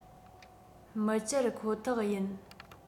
མི གཅར ཁོ ཐག ཡིན